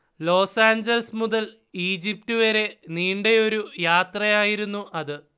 Los Angeles മുതൽ Egypt വരെ നീണ്ടയൊരു യാത്രയായിരുന്നു അത്